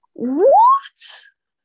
What?!